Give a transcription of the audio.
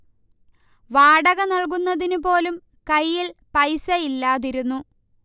വാടക നൽകുന്നതിന് പോലും കൈയിൽ പൈസയില്ലാതിരുന്നു